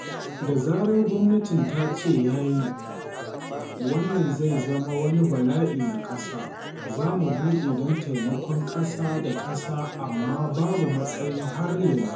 Da zarar gwamnatin ta ce, “Ya yi, wannan zai zama wani bala’i na ƙasa,” za mu buɗe don taimakon ƙasa-da-ƙasa amma babu matsayin har yanzu.”